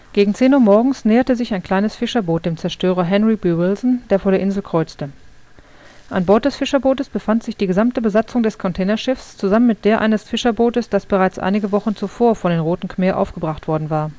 Gegen zehn Uhr morgens näherte sich ein kleines Fischerboot dem Zerstörer Henry B. Wilson, der vor der Insel kreuzte. An Bord des Fischerboots befand sich die gesamte Besatzung des Containerschiffs, zusammen mit der eines Fischerboots, das bereits einige Wochen zuvor von den Roten Khmer aufgebracht worden war